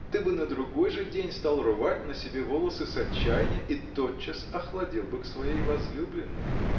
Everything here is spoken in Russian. ты бы на другой же день стал рвать на себе волосы с отчаяния и тотчас охладел бы к своей возлюбленной.